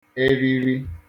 eriri